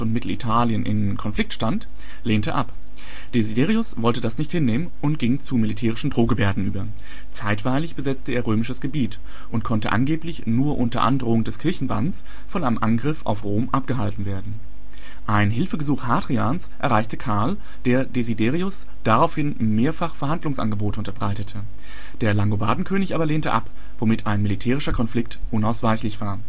Mittelitalien in Konflikt standen, lehnte ab. Desiderius wollte das nicht hinnehmen und ging zu militärischen Drohgebärden über; zeitweilig besetzte er römisches Gebiet, und konnte angeblich nur unter Androhung des Kirchenbanns von einem Angriff auf Rom abgehalten werden. Ein Hilfegesuch Hadrians erreichte Karl, der Desiderius daraufhin mehrfach Verhandlungsangebote unterbreitete. Der Langobardenkönig aber lehnte ab, womit ein militärischer Konflikt unausweichlich war